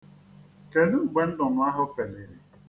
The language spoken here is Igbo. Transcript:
Kedu mgbe nnụnụ ahụ feliri?